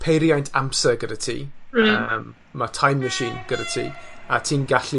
peiriant amser gyda ti. Hmm. Yym ma' time machine gyda ti, ati'n gallu